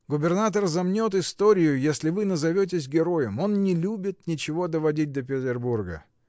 — Губернатор замнет историю, если вы назоветесь героем: он не любит ничего доводить до Петербурга.